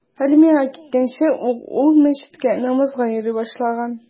Армиягә киткәнче ук ул мәчеткә намазга йөри башлаган.